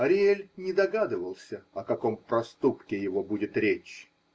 Ариэль не догадывался, о каком проступке его будет речь.